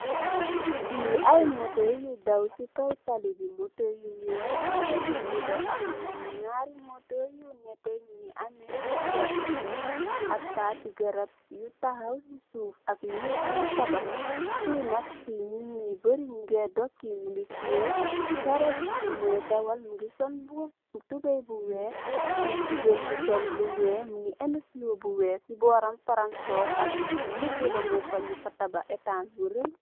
Fi ay motto yuy daw ci kaw tali bi, motto yu wèèx motto yu bula ak ñaari motto yu netteh ñu ngi ameh lu werta ak tati garap yu taxaw ci suuf ak nèk yun tabax. Fi nak nit yu barri ñu nge dox, ki mugii teyeh saret bu moy dawal mugii sol tubay bu wèèx, fi jigeen bu sol lu wèèx mugii ènu siwo bu wèèx si bóram pallansorr ak lu bula mung fa ñing fa tabax ètas bu rèy.